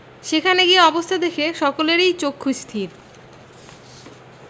সেখানে গিয়ে অবস্থা দেখে সকলেরই চক্ষুস্থির